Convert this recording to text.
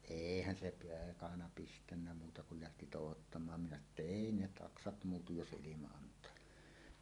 eihän se peekana pistänyt muuta kun lähti touhottamaan minä sanoin jotta ei ne taksat muutu jos ilman antaa niin